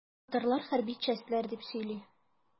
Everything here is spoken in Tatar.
Татарлар хәрби чәстләр дип сөйли.